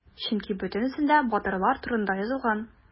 Чөнки бөтенесендә батырлар турында язылган.